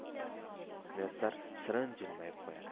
muyassar shirin jilmayib qo'yadi